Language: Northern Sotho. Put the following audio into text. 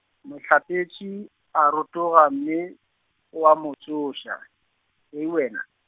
Mohlapetši a rotoga mme, o a mo tsoša, Hei wena.